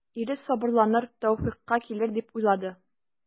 Ире сабырланыр, тәүфыйкка килер дип уйлады.